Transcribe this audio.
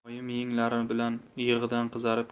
oyim yenglari bilan yig'idan qizarib